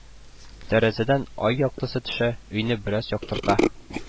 Тәрәзәдән ай яктысы төшә, өйне бераз яктырта